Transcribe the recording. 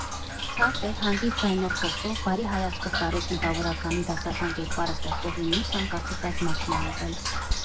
Ցածր, հանգիստ ձայնով խոսող, բարի հայացքով տարեց մտավորականի դասական կերպարը ստեղծողի մուսան կարծես այս մարդն է եղել։